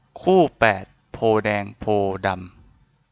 คู่แปดโพธิ์แดงโพธิ์ดำ